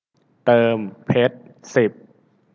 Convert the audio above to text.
เติมเพชรสิบ